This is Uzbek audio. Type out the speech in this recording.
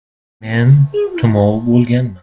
men tumov bo'lganman